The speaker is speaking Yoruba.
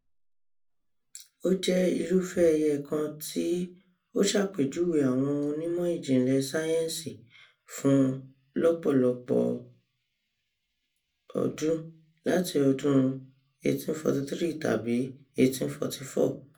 Ó jẹ́ irúfẹ́ ẹ̀yà kan tí ó ṣàpèjúwe àwọn onímọ̀ ìjìnlẹ̀ sáyẹ́ǹsì fún lọ̀pọ̀lọpọ̀ ọdú, láti ọdún 1843 tàbí 1844.